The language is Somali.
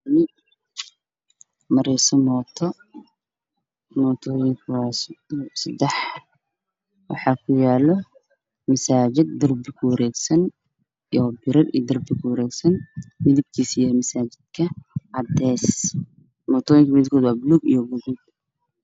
Waa laami waxaa maraayo mooto. mootooyinka waa seddex waxaa kuyaalo masaajid darbi kuwareegsan iyo biro midabkiisu waa cadeys, mootooyin midabkooda waa buluug iyo gaduud.